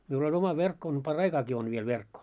minulla oli oma verkko on paraikaakin on vielä verkko